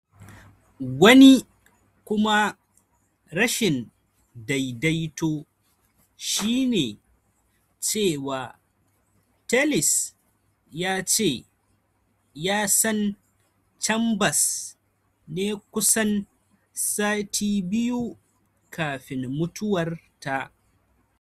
Wani kuma rashin daidaito shi ne cewa Tellis ya ce ya san Chambers ne kusan sati biyu kafin mutuwar ta.